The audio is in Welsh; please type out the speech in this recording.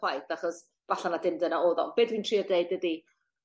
chwaeth achos falla na dim dyna o'dd o. Be' dwi'n trio deud ydi